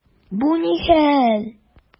Бу ни хәл!